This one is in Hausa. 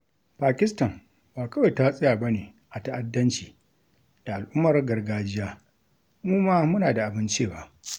Pakistan ba kawai ta tsaya ba ne a ta'addanci da al'ummar gargajiya, mu ma muna da abin cewa.